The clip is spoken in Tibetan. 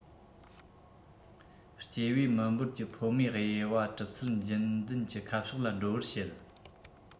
སྐྱེ བའི མི འབོར གྱི ཕོ མོའི དབྱེ བ གྲུབ ཚུལ རྒྱུན ལྡན གྱི ཁ ཕྱོགས ལ འགྲོ བར བྱེད